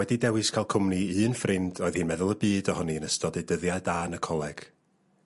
...wedi dewis cael cwmni un ffrind oedd hin meddwl y byd ohoni yn ystod ei dyddiau da yn y coleg.